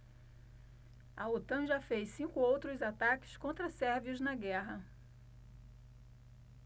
a otan já fez cinco outros ataques contra sérvios na guerra